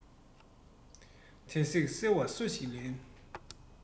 དེ བསྲེགས སོལ བ སུ ཞིག ལེན